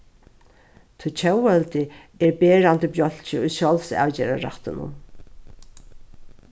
tí tjóðveldi er berandi bjálki í sjálvsavgerðarrættinum